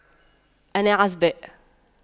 أنا عزباء